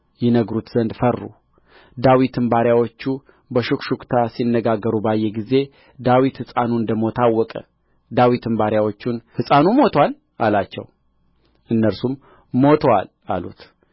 ይነግሩት ዘንድ ፈሩ ዳዊትም ባሪያዎቹ በሹክሹክታ ሲነጋገሩ ባየ ጊዜ ዳዊት ሕፃኑ እንደ ሞተ አወቀ ዳዊትም ባሪያዎቹን ሕፃኑ ሞቶአል አላቸው እነርሱም ሞቶአል አሉት